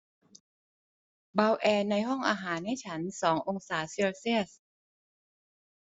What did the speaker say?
เบาแอร์ในห้องอาหารให้ฉันสององศาเซลเซียส